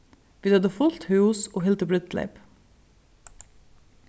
vit høvdu fult hús og hildu brúdleyp